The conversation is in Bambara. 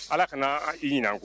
Ala kana i ɲin kɔ